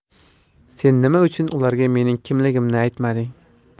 sen nima uchun ularga mening kimligimni aytmading